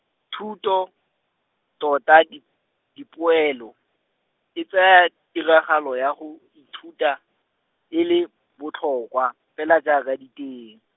thuto, tota dip-, dipoelo, e tsaya tiragalo ya go ithuta, e le, botlhokwa, fela jaaka diteng.